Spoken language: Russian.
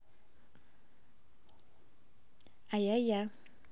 ай ай я